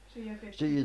se jätettiin